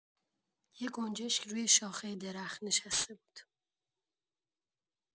یه گنجشک روی شاخه درخت نشسته بود.